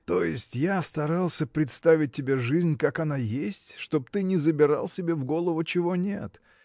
– То есть я старался представить тебе жизнь как она есть чтоб ты не забирал себе в голову чего нет.